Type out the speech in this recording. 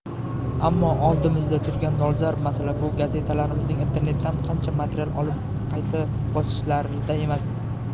ammo oldimizda turgan dolzarb masala bu gazetalarimizning internetdan qancha material olib qayta bosishlarida emas